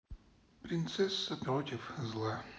принцесса против зла